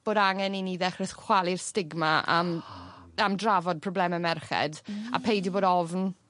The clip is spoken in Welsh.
bod angen i ni ddechre s- chwalu'r stigma am am drafod probleme merched. Hmm. A peidio bod ofn